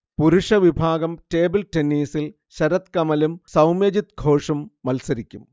പുരുഷവിഭാഗം ടേബിൾ ടെന്നീസിൽ ശരത് കമലും സൗമ്യജിത് ഘോഷും മൽസരിക്കും